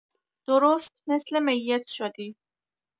درست مثل میت شدی.